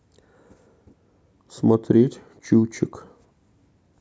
смотреть чучик